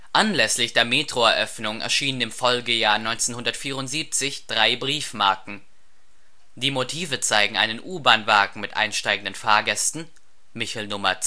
Anlässlich der Metro-Eröffnung erschienen im Folgejahr 1974 drei Briefmarken. Die Motive zeigen einen U-Bahn-Wagen mit einsteigenden Fahrgästen (Michel-Nummer